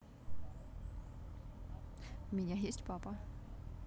у меня есть папа